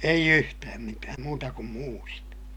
ei yhtään mitään muuta kuin muurit